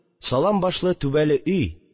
Салам башлы (түбәле) өй